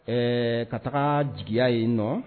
Ɛɛ ka taga jigiya yen nɔ